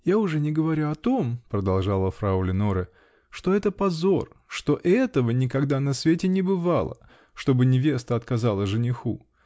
-- Я уже не говорю о том, -- продолжала фрау Леноре, -- что это позор, что этого никогда на свете не бывало, чтобы невеста откаэала жениху